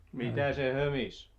mitä se hömisi